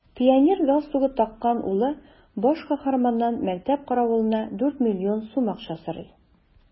Пионер галстугы таккан улы баш каһарманнан мәктәп каравылына дүрт миллион сум акча сорый.